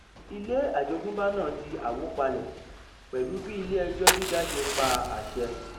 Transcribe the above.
Ilé àjogúnbá náà di àwópalẹ̀ pẹ̀lú bí Ilé-ẹjọ́ Gíga ṣe pa àṣẹ.